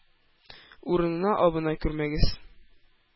Урынына абына күрмәгез.